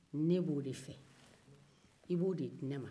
i bɛ o de di ne ma